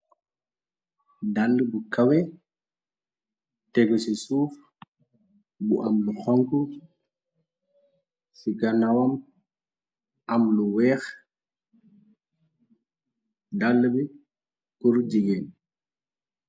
Dalla bu kawe tegu ci suuf bu am lu xonku ci gannawam am lu weex dalla bi puru jigéen.